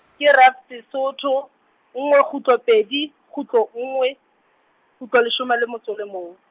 ke ref- Sesotho, nngwe kgutlo pedi, kgutlo nngwe, kgutlo leshome le metso o le mong.